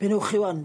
Be' newch chi ŵan?